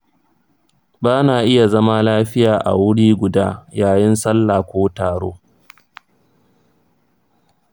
ba na iya zama lafiya a wuri guda yayin sallah ko taro.